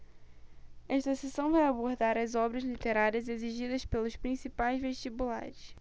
esta seção vai abordar as obras literárias exigidas pelos principais vestibulares